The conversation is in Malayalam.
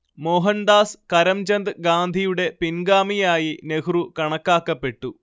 മോഹൻദാസ് കരംചന്ദ് ഗാന്ധിയുടെ പിൻഗാമിയായി നെഹ്രു കണക്കാക്കപ്പെട്ടു